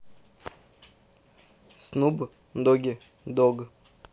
снуб доги дог